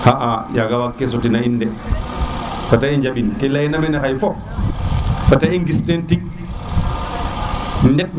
xa a yaag wag ke soti na in de fat i njaɓin ke leye na mene fop fet i gis ten tig